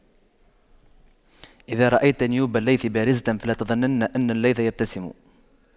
إذا رأيت نيوب الليث بارزة فلا تظنن أن الليث يبتسم